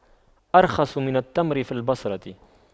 أرخص من التمر في البصرة